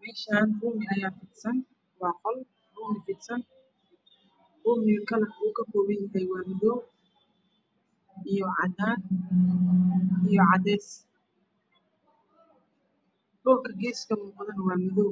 Meeshaani roog ayaa fidsan waa qol roog fidsan, rooga kararta uu ka kooban yahay waa madow iyo cadaan, iyo cadeys dhulka deysta kalena waa madow